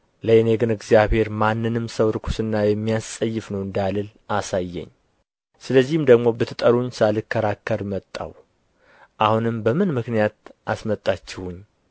ለእኔ ግን እግዚአብሔር ማንንም ሰው ርኵስና የሚያስጸይፍ ነው እንዳልል አሳየኝ ስለዚህም ደግሞ ብትጠሩኝ ሳልከራከር መጣሁ አሁንም በምን ምክንያት አስመጣችሁኝ